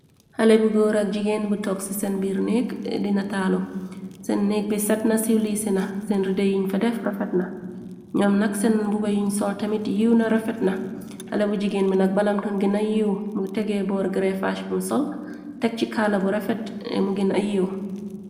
Xale bi goor ak jigeen bi tog ci seen biir nekg dina taalu seen neek bi setna siiw lii si na seen ride yiñ fa def rafet na ñoom nag seen buba yiñ sol tamit yiiw na rafet na xale bu jigeen bi nag balam ton gina yiiw mu tegee boor greefagh bu sol teg ci kaala bu rafete mu gina yiiw.